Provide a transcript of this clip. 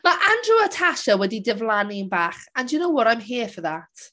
Ma' Andrew a Tasha wedi diflannu bach and do you know what, I'm here for that.